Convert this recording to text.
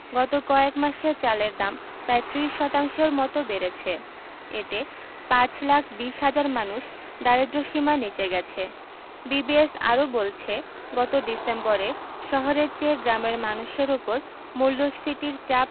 গত কয়েক মাসে চালের দাম প্রায় ৩০ শতাংশের মতো বেড়েছে এতে ৫ লাখ ২০ হাজার মানুষ দারিদ্র্যসীমার নিচে গেছে বিবিএস আরও বলছে গত ডিসেম্বরে শহরের চেয়ে গ্রামের মানুষের ওপর মূল্যস্ফীতির চাপ